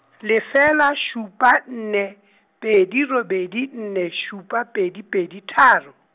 lefela supa nne, pedi robedi nne supa pedi pedi tharo.